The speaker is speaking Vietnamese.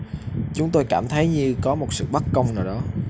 chúng tôi cảm thấy như có một sự bất công nào đó